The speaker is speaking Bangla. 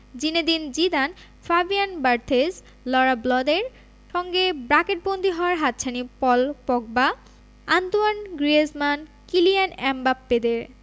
জিনেদিন জিদান ফাবিয়ান বার্থেজ লঁরা ব্লদের সঙ্গে ব্র্যাকেটবন্দি হওয়ার হাতছানি Paul Pogba Antoine Griezmann Kylian এমবাপ্পেদের